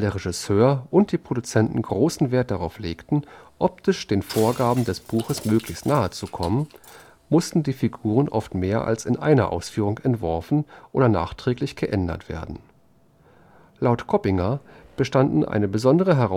Regisseur und die Produzenten großen Wert darauf legten, optisch den Vorgaben des Buches möglichst nahe zu kommen, mussten Figuren oft in mehr als einer Ausführung entworfen oder nachträglich geändert werden. Laut Coppinger bestand eine besondere